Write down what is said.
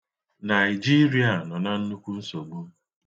Naịjirịa nọ na nnukwu nsogbu.